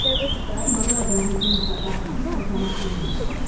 Այս բոլորը Գառնիկի մշակած տուրի շրջանակներում է։